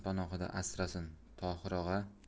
panohida asrasin tohir og'a